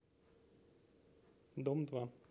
дом два